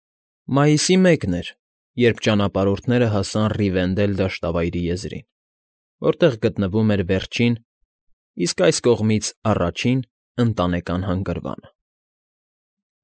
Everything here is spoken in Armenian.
Մայիսի մեկն էր, երբ ճանապարհորդները հասան Ռիվենդել դաշտավայրի եզրին, որտեղ գտնվում էր Վերջին (իսկ այս կողմից՝ առաջին) Ընտանեկան Հանգրվանը։